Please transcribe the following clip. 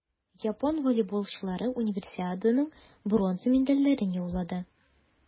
Япон волейболчылары Универсиаданың бронза медальләрен яулады.